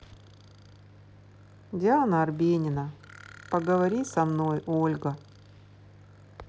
диана арбенина поговори со мной ольга